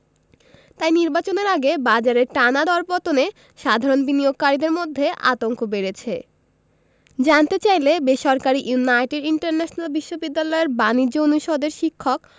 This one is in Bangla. তাই নির্বাচনের আগে বাজারের টানা দরপতনে সাধারণ বিনিয়োগকারীদের মধ্যে আতঙ্ক বেড়েছে জানতে চাইলে বেসরকারি ইউনাইটেড ইন্টারন্যাশনাল বিশ্ববিদ্যালয়ের বাণিজ্য অনুষদের শিক্ষক